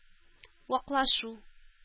Ваклашу